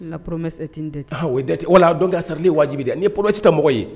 Pmet tɛ tɛ la dɔn'li wajibi dɛ nin ye poro tɛ tɛ mɔgɔ ye